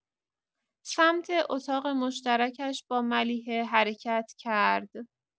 سمت اتاق مشترکش با ملیحه حرکت کرد.